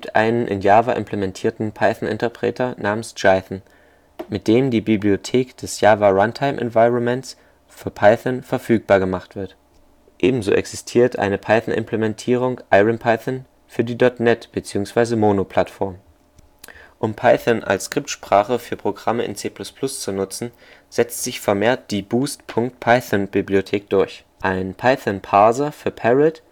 einen in Java implementierten Python-Interpreter namens Jython, mit dem die Bibliothek des Java Runtime Environments für Python verfügbar gemacht wird. Ebenso existiert eine Python-Implementierung (IronPython) für die. NET - bzw. Mono-Plattform. Um Python als Skriptsprache für Programme in C++ zu nutzen, setzt sich vermehrt die Boost.Python-Bibliothek durch. Ein Python-Parser für Parrot